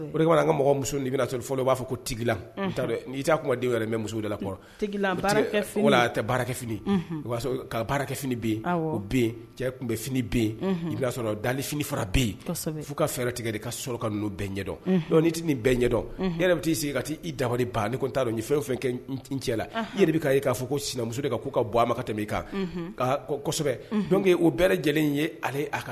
O de an ka mɔgɔ muso sɔrɔ fɔlɔ olu u b'a fɔ ko tigilan n'i t'a kuma wɛrɛ muso de la kɔrɔ tɛ baarakɛ ka baarakɛ fini bɛ o cɛ tun bɛ fini i'a sɔrɔ da fini fara bɛ yen fo ka fɛɛrɛ tigɛ de ka sɔrɔ ka bɛn ɲɛdɔn tɛ nin bɛn ɲɛdɔn yɛrɛ bɛ'i se ka taa i dabali ban ni tun t dɔn ye fɛn fɛn kɛ cɛ la i yɛrɛ bɛ ka e k'a fɔ ko sinamuso k'u ka bɔ a ma ka tɛmɛ'i kanke o bɛɛ lajɛlen in ye ale a kan